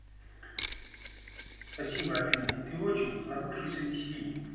спасибо афина и ты очень хороший собеседник